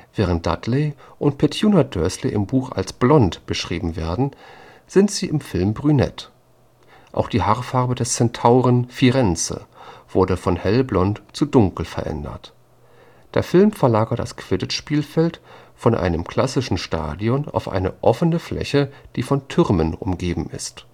Während Dudley und Petunia Dursley im Buch als blond beschrieben werden, sind sie im Film brünett. Auch die Haarfarbe des Zentaurs Firenze wurde von hellblond zu dunkel verändert. Der Film verlagert das Quidditch-Spielfeld von einem klassischen Stadion auf eine offene Fläche, die von Türmen umgeben ist